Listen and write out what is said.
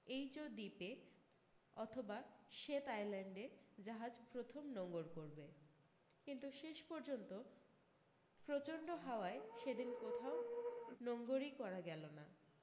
HO দ্বীপে অথবা শ্বেত আইল্যান্ডে জাহাজ প্রথম নঙর করবে কিন্তু শেষপর্যন্ত প্রচণ্ড হাওয়ায় সেদিন কোথাও নঙরৈ করা গেল না